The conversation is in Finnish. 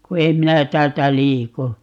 kun en minä täältä liiku